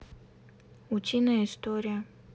утиная история